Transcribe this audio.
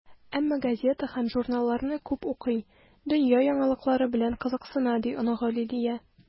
Әмма газета һәм журналларны күп укый, дөнья яңалыклары белән кызыксына, - ди оныгы Лилия.